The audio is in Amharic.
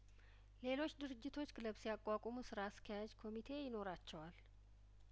ሌሎች ድርጅቶች ክለብ ሲያቋቁሙ ስራ አስኪያጅ ኮሚቴ ይኖራቸዋል